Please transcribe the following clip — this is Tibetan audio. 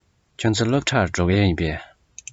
ཁྱེད ཚོ སློབ གྲྭར འགྲོ མཁན ཡིན པས